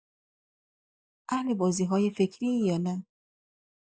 اهل بازی‌های فکری‌ای یا نه؟